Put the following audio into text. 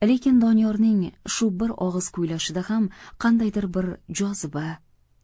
lekin doniyorning shu bir og'iz kuylashida ham qandaydir bir joziba